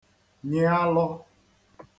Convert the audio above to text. nyị alọ̄